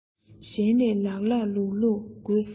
གཞན ནས ལགས ལགས ལུགས ལུགས དགོས ཟེར ན